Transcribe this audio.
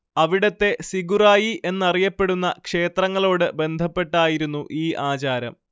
അവിടത്തെ സിഗുറായി എന്നറിയപ്പെടുന്ന ക്ഷേത്രങ്ങളോട് ബന്ധപ്പെട്ടായിരുന്നു ഈ ആചാരം